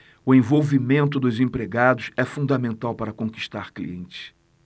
o envolvimento dos empregados é fundamental para conquistar clientes